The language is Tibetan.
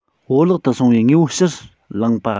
བོར བརླག ཏུ སོང བའི དངོས པོ ཕྱིར བླངས པ